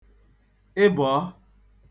ịbọ̀ọ